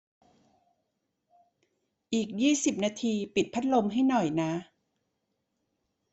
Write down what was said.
อีกยี่สิบนาทีปิดพัดลมให้หน่อยนะ